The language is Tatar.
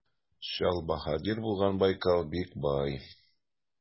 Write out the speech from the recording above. Чал баһадир булган Байкал бик бай.